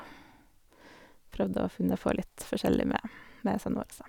Prøvd å funnet på litt forskjellig med med sønnen våres óg.